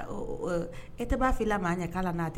E tɛ'a fili la maa ɲɛ' n'a dɛ